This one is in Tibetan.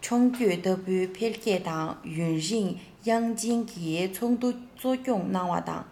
མཆོང སྐྱོད ལྟ བུའི འཕེལ རྒྱས དང ཡུན རིང དབྱང ཅིན གྱིས ཚོགས འདུ གཙོ སྐྱོང གནང བ དང